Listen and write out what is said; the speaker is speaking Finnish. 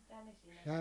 mitä ne sinne